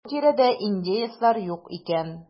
Бу тирәдә индеецлар юк икән.